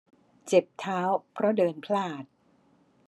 เจ็บเท้าเพราะเดินพลาด